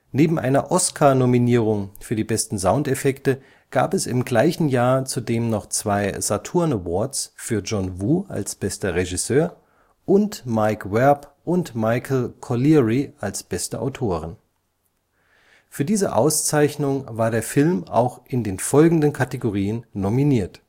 Neben einer Oscar-Nominierung für die besten Soundeffekte, gab es im gleichen Jahr zudem noch zwei Saturn Awards für John Woo (bester Regisseur) und Mike Werb/Michael Colleary (beste Autoren). Für diese Auszeichnung war der Film auch in den folgenden Kategorien nominiert